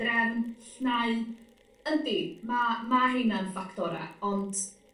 drefn llnau yndy ma' ma' heina'n ffactora ond